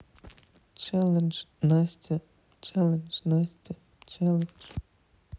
челлендж настя челлендж настя челлендж